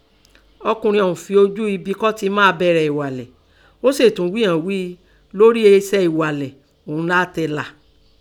Ọkùnrin ọ̀̀ún fin ojú inbin kọ́ tin máa bẹ̀rẹ̀ ìghalẹ̀, ó sèè tún ghí hàn án ghíi lórí eṣẹ́ ẹ̀ghalẹ̀ ọ̀ún nẹ áá tẹ là